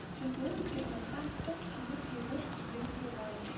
Сүндереп йөрмәсәм, тун киеп йөрер идең бугай